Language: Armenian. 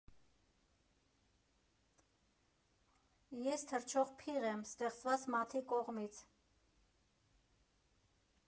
Ես թռչող փիղ եմ՝ ստեղծված Մաթի կողմից։